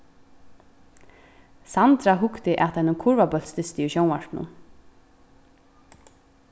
sandra hugdi at einum kurvabóltsdysti í sjónvarpinum